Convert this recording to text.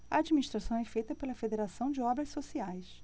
a administração é feita pela fos federação de obras sociais